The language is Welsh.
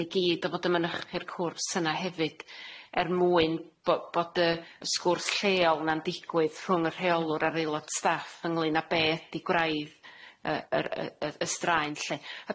ni gyd o fod ym mynychu'r cwrs yna hefyd er mwyn bo' bod y y sgwrs lleol na'n digwydd rhwng y rheolwr a'r aelod staff ynglŷn a be' ydi gwraidd yy yr yy yy y straen lly.